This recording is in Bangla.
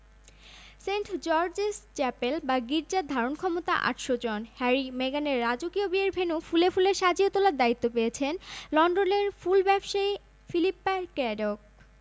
সেন্ট জর্জেস চ্যাপেল বা গির্জার ধারণক্ষমতা ৮০০ জন হ্যারি মেগানের রাজকীয় বিয়ের ভেন্যু ফুলে ফুলে সাজিয়ে তোলার দায়িত্ব পেয়েছেন লন্ডনের ফুল ব্যবসায়ী ফিলিপ্পা ক্র্যাডোক